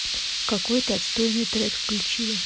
какой ты отстойный трек включила